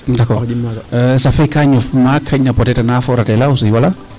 d' accrord sax fee kaa ñof maak xayna peut etre ana foora teela aussi wala